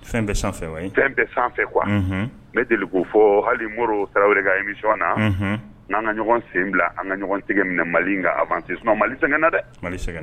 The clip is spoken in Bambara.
Fɛn fɛn bɛɛ sanfɛ kuwa ne deli ko fɔ hali mori tarawele kan i bɛ sɔn na n'an ka ɲɔgɔn sen bila an ka ɲɔgɔn tigɛ minɛ mali a tɛ sun mali sɛgɛng na dɛ